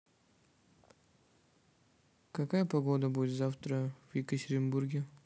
какая погода будет завтра в екатеринбурге